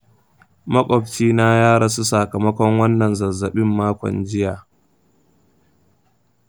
maƙwabcina ya rasu sakamakon wannan zazzaɓin makon jiya.